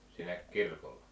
siinä kirkolla